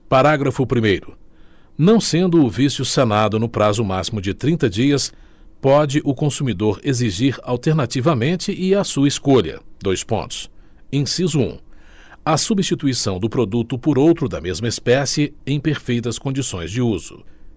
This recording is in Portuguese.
parágrafo primeiro não sendo o vício sanado no prazo máximo de trinta dias pode o consumidor exigir alternativamente e à sua escolha dois pontos inciso um a substituição do produto por outro da mesma espécie em perfeitas condições de uso